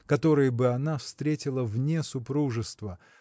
которые бы она встретила вне супружества